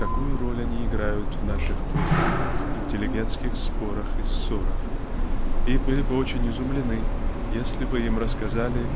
какую роль они играют в наших кружковых интеллигентских спорах и ссорах и были бы очень изумлены если бы им рассказали